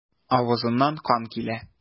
Авызыннан кан килә.